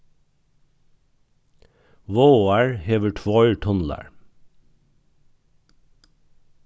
vágar hevur tveir tunlar